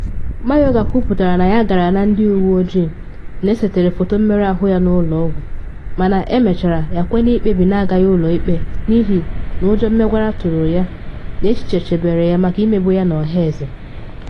Mayorga kwuputakwara na ya gara na ndị uwe ojii na esetere foto mmerụ ahụ ya n’ụlọ ọgwụ, mana emechara ya kwenye ikpebi n’agaghị ụlọ ikpe n’ihi “n’ujo mmegwara tụrụ ya” na “echiche chebere ya maka imebọ ya n’ọhaeze.”